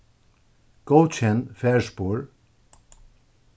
góðkenn farspor